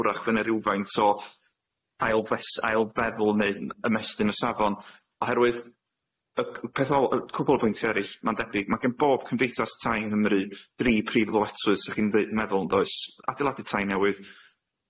wrach by' ne' rywfaint o ail fes- ail feddwl neu'n ymestyn y safon, oherwydd y c- peth ol- y cwpwl o bwyntie eryll ma'n debyg ma' gen bob cymdeithas tai yng Nghymru dri prif ddyletswydd sa chi'n ddeu- meddwl yndoes: adeiladu tai newydd,